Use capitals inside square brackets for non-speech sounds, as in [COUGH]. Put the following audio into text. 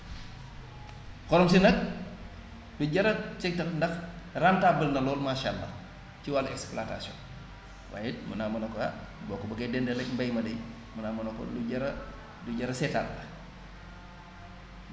xorom si nag lu jar a seet la ndax rentable na lool maasàllaa ci wàllu exploitation waaye it mu ne ah ma ne ko ah boo ko bëggee dendaleeg [SNIFFS] mbay ma di mu ne ah ma ne ko lu jar a lu jar a seetaat la